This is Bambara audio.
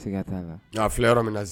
Sika ta la . Nga filɛYɔrɔ min